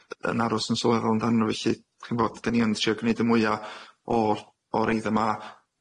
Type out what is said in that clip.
yn aros yn sylweddol amdanyn nw. Felly, chi'n 'bod, 'dan ni yn trio gneud y mwya o'r o'r eiddo 'ma.